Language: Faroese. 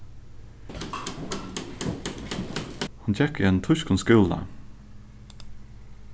hon gekk í einum týskum skúla